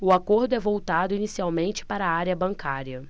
o acordo é voltado inicialmente para a área bancária